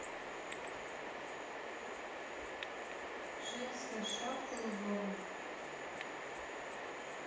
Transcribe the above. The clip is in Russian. женская шапка узором